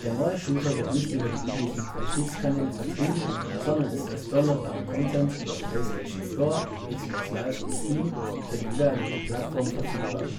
neue Shooter wird nicht über die üblichen Vertriebskanäle vertrieben, sondern ist als downloadbarer Content über PlayStation-Store, Xbox Live und Steam für die jeweilige Plattform verfügbar